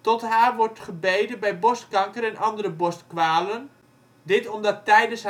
Tot haar wordt gebeden bij borstkanker of andere borstkwalen, dit omdat tijdens